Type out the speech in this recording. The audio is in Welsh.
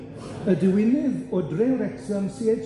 ###y diwynydd o Drewrecsam, See Aitch